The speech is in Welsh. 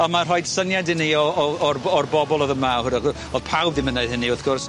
On' ma'n rhoid syniad i ni o o o'r bo- o'r bobol o'dd yma o'dd pawb ddim yn neu' hynny wrth gwrs